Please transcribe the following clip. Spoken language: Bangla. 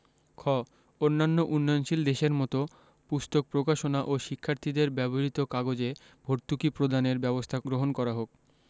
খ অন্যান্য উন্নয়নশীল দেশের মত পুস্তক প্রকাশনা ও শিক্ষার্থীদের ব্যবহৃত কাগজে ভর্তুকি প্রদানের ব্যবস্থা গ্রহণ করা হোক